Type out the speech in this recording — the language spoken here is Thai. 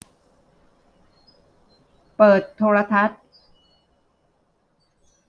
เปิดโทรทัศน์